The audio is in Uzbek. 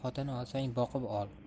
xotin olsang boqib ol